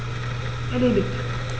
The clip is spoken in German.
Erledigt.